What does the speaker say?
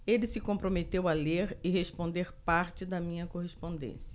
ele se comprometeu a ler e responder parte da minha correspondência